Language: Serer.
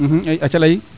aca leyi